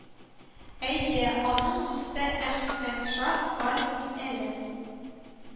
Әйе, аның дусты Әхмәтша бар бит әле